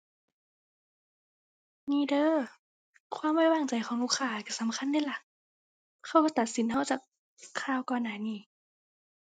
มีเด้อ ความไว้วางใจของลูกค้าก็สำคัญเดะล่ะ เขาก็ตัดสินก็จากข่าวก่อนหน้านี้